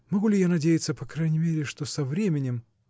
могу ли я надеяться по крайней мере, что со временем.